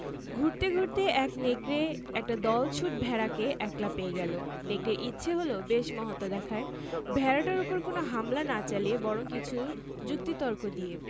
ভেড়াটা ভ্যাঁ করে কেঁদে ফেলল কিন্তু আমার তো গত বছর জন্মই হয়নি নেকড়েটা তখন বলে হতে পারে কিন্তু আমার মাঠের ঘাস খাও তুমি না হুজুর ভেড়া উত্তর দ্যায়